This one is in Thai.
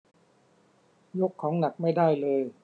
ยกของหนักไม่ได้เลย